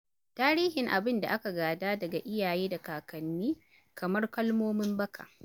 Tarihin abin da aka gada daga iyaye da kakanni - kamar kalmomin baka